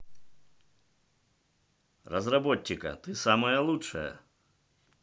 разработчика ты самая лучшая